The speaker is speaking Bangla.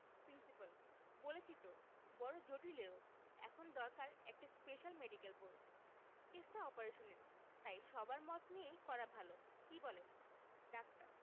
প্রিন্সিপাল বলেছি তো বড় জটিল এ রোগ এখন দরকার একটা স্পেশাল মেডিকেল বোর্ড কেসটা অপারেশনের তাই সবার মত নিয়েই করা ভালো কি বলেন ডাক্তার